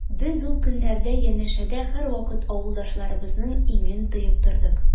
Без ул көннәрдә янәшәдә һәрвакыт авылдашларыбызның иңен тоеп тордык.